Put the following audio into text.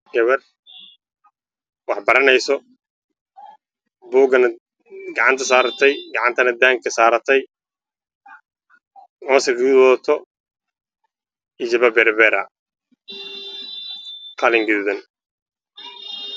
Waa gabar wax baraneyso oo heysato buug iyo qalin gaduud ah